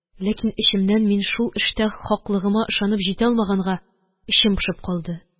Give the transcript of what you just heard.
Ләкин эчемнән мин шул эштә хаклыгыма ышанып җитә алмаганга, эчем пошып калды.